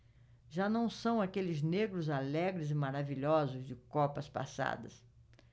já não são aqueles negros alegres e maravilhosos de copas passadas